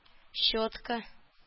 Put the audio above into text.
Щетка